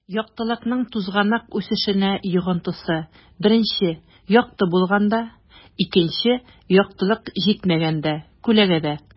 Яктылыкның тузганак үсешенә йогынтысы: 1 - якты булганда; 2 - яктылык җитмәгәндә (күләгәдә)